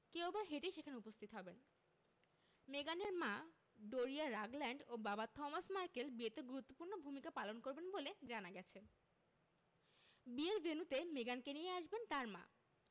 কেউ আবার হেঁটেই সেখানে উপস্থিত হবেন মেগানের মা ডোরিয়া রাগল্যান্ড ও বাবা থমাস মার্কেল বিয়েতে গুরুত্বপূর্ণ ভূমিকা পালন করবেন বলে জানা গেছে বিয়ের ভেন্যুতে মেগানকে নিয়ে আসবেন তাঁর মা